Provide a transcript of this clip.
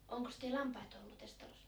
onkos teillä lampaita ollut tässä talossa